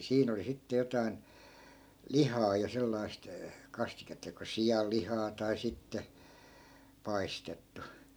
siinä oli sitten jotakin lihaa ja sellaista kastiketta joko sianlihaa tai sitten paistettu